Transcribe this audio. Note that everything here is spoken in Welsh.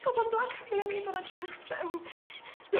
O'dd o'n blacmeilio fi ddod â drygs fewn.